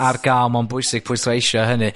...ar ga'l. Ma'n bwysig pwysleisio hynny.